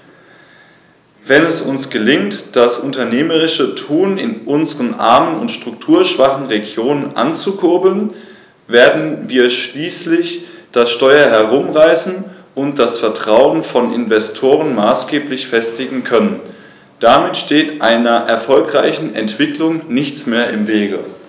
Wenn es uns gelingt, das unternehmerische Tun in unseren armen und strukturschwachen Regionen anzukurbeln, werden wir schließlich das Steuer herumreißen und das Vertrauen von Investoren maßgeblich festigen können. Damit steht einer erfolgreichen Entwicklung nichts mehr im Wege.